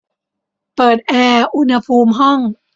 เปิดแอร์อุณหภูมิห้อง